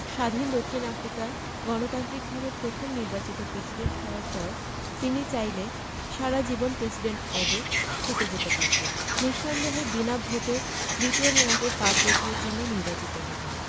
স্বাধীন দক্ষিণ আফ্রিকায় গণতান্ত্রিকভাবে প্রথম নির্বাচিত প্রেসিডেন্ট হওয়ার পর তিনি চাইলে সারা জীবন প্রেসিডেন্ট পদে থেকে যেতে পারতেন নিঃসন্দেহে বিনা ভোটে দ্বিতীয় মেয়াদে পাঁচ বছরের জন্য নির্বাচিত হতেন